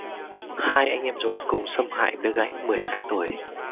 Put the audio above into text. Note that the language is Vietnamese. hai anh em ruột cùng xâm hại bé gái mười hai tuổi